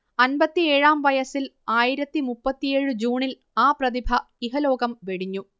അൻപത്തിയേഴാം വയസ്സിൽ ആയിരത്തി മുപ്പത്തിയേഴ് ജൂണിൽ ആ പ്രതിഭ ഇഹലോകം വെടിഞ്ഞു